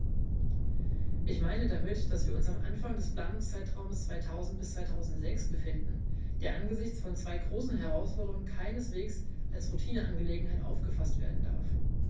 Ich meine damit, dass wir uns am Anfang des Planungszeitraums 2000-2006 befinden, der angesichts von zwei großen Herausforderungen keineswegs als Routineangelegenheit aufgefaßt werden darf.